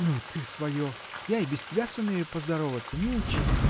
— Ну, ты свое: я и без тебя сумею поздороваться, не учи!